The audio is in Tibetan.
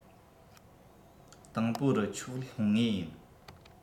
དང པོ རུ ཆོགས ལྷུང ངེས ཡིན